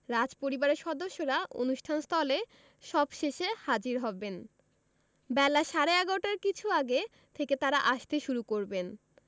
রাজপরিবারের সদস্যরা অনুষ্ঠান স্থলে সবশেষে হাজির হবেন বেলা সাড়ে ১১টার কিছু আগে থেকে তাঁরা আসতে শুরু করবেন